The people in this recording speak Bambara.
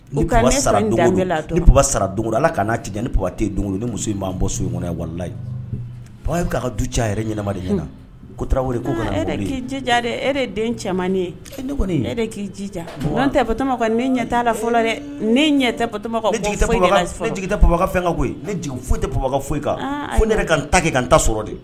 Ni sara ala kana ni baba don ni muso b'an bɔ so kɔnɔ warila baba ye ka du ca yɛrɛ yɛlɛma de kan koja e den cɛman ye ne kɔni k' tɛ ne ɲɛ la tɛ baba fɛn ka koyi foyi tɛ baba foyi kan fo ne yɛrɛ ka ta kɛ ka n ta sɔrɔ de